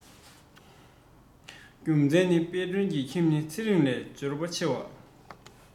རྒྱུ མཚན ནི དཔལ སྒྲོན གྱི ཁྱིམ ནི ཚེ རིང ལས འབྱོར པ ཆེ བ